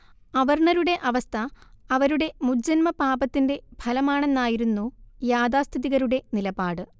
അവർണ്ണരുടെ അവസ്ഥ അവരുടെ മുജ്ജന്മപാപത്തിന്റെ ഫലമാണെന്നായിരുന്നു യാഥാസ്ഥിതികരുടെ നിലപാട്